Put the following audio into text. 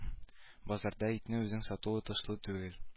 Базарда итне үзең сату отышлы түгел